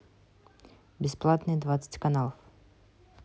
бесплатные двадцать каналов